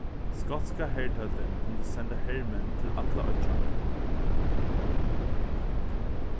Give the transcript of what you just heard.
skotska herdeildin kundi senda hermenn til allar oyggjarnar